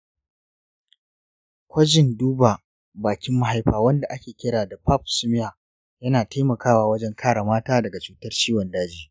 kwajin duba bakin mahaifa wanda ake kira pap smear yana taimakawa wajen kare mata daga cutar ciwon daji.